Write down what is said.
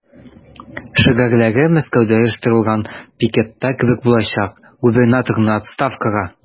Шигарьләре Мәскәүдә оештырылган пикетта кебек булачак: "Губернаторны– отставкага!"